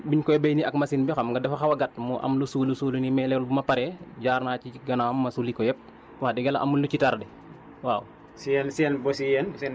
li ci xaw a manqué mooy comme buñ koy béy nii ak machine bi xam nga dafa xaw a gàtt mu am lu suulu suulu nii mais loolu bu ma paree jaar naa ci gannaawam ma sulli ko yëpp wax dëgg yàlla amul lu ci tardé waaw